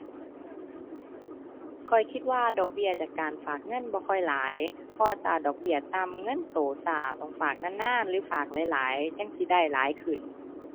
ข้อยคิดว่าดอกเบี้ยจากการฝากเงินบ่ค่อยหลาย เพราะอัตราดอกเบี้ยต่ำ เงินโตช้า ต้องฝากนานนานหรือฝากหลายหลายจั่งสิได้หลายขึ้น